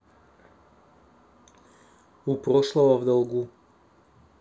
у прошлого в долгу